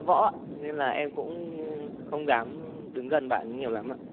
võ nên là em cũng không dám đứng gần bạn ý nhiều lắm ạ